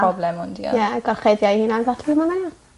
...problem ond ie. Ie gorchuddio'u hunan .